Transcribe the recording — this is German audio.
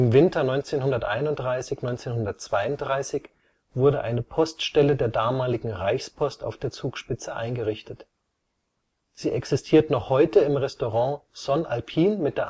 Winter 1931 / 32 wurde eine Poststelle der damaligen Reichspost auf der Zugspitze eingerichtet. Sie existiert noch heute im Restaurant Sonn Alpin mit